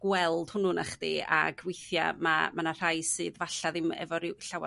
gweld hwnnw nachdi? Ag withia' ma' ma' 'na rhai sydd 'fallai ddim efo llawer